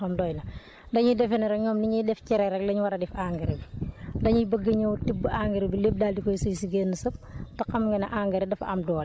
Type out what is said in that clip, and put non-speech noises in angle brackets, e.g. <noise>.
classe ag Anta Diagne bi moom la yàlla xam doy na <breath> dañuy defe ne rek ñoom ni ñiy def cere rek lañ war a def engrais <noise> dañuy bëgg ñëw tibb engrais bi <noise> lépp daal di koy suy si génn sëb